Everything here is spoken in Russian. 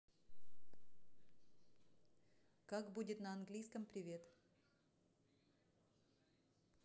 как будет на английском привет